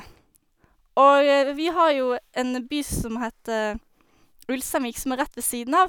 Og r vi har jo en by som heter Ulsteinvik, som er rett ved siden av.